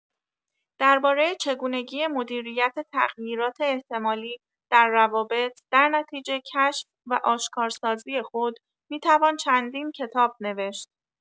درباره چگونگی مدیریت تغییرات احتمالی در روابط، درنتیجه کشف و آشکارسازی خود، می‌توان چندین کتاب نوشت.